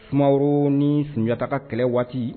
Sumaworo ni sunjata yɛ ka kɛlɛ waat i